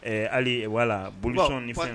Ɛɛ hali wala bolisɔn ni fɛnw?